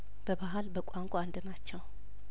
በባህል በቋንቋ አንድ ናቸው